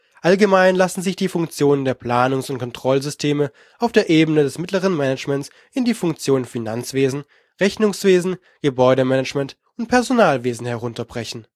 Allgemein lassen sich die Funktionen der Planungs - und Kontrollsysteme auf der Ebene des mittleren Managements in die Funktionen Finanzwesen, Rechnungswesen, Gebäudemanagement und Personalwesen herunterbrechen